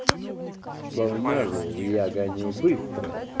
slava marlow я гоню быстро